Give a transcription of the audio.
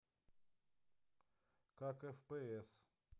как фпс